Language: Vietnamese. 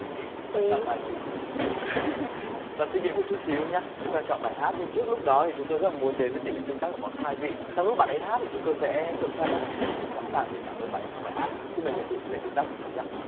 bạn chọn bài gì bạn suy nghĩ một chút xíu nha chúng ta chọn bài hát trước lúc đó thì chúng tôi rất muốn đến với tỉ lệ tương tác của món khai vị trong lúc bạn ấy hát chúng tôi sẽ trộn sa lát để chuẩn bị sẵn sàng để cảm ơn bạn ấy sau bài hát xin mời hiển thị tỷ lệ tương tác với khán giả